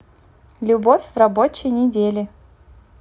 любовь в рабочей недели